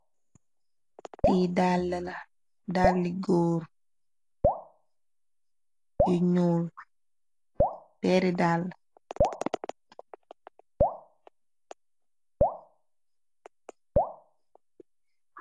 Li dalla la dalli góor yu ñyuul péeri dalla.